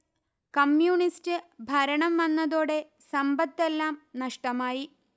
communist ഭരണം വന്നതോടെ സമ്പത്തെല്ലാം നഷ്ടമായി